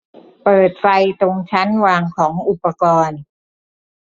เปิดไฟตรงชั้นวางของอุปกรณ์